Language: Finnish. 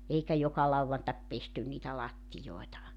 eikä joka lauantai pesty niitä lattioita